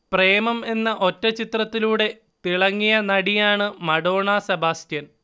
പ്രേമം എന്ന ഒറ്റചിത്രത്തിലൂടെ തിളങ്ങിയ നടിയാണ് മഡോണ സെബാസ്റ്റ്യൻ